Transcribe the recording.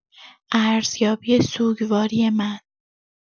ارزیابی سوگواری من